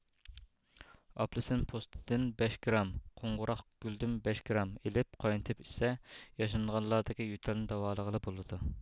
ئاپېلسىن پوستىدىن بەش گرام قوڭغۇراقگۈلدىن بەش گرام ئېلىپ قاينىتىپ ئىچسە ياشانغانلاردىكى يۆتەلنى داۋالىغىلى بولىدۇ